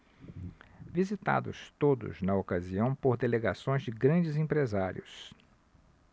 visitados todos na ocasião por delegações de grandes empresários